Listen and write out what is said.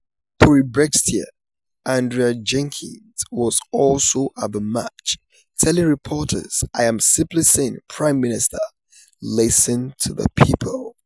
Tory Brexiteer Andrea Jenkyns was also at the march, telling reporters: 'I am simply saying: Prime Minister, listen to the people.